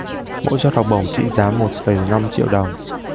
mỗi suất học bổng trị giá một phẩy năm triệu đồng